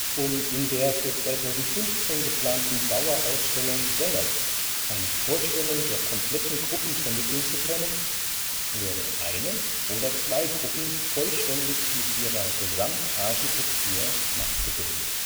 Um in der für 2015 geplanten Dauerausstellung dennoch eine Vorstellung der kompletten Gruppen vermitteln zu können, werden eine oder zwei Gruppen vollständig mit ihrer Gesamtarchitektur nachgebildet